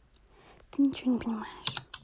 ты ничего не понимаю